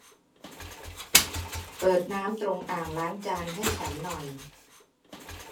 เปิดน้ำตรงอ่างล้างจานให้ฉันหน่อย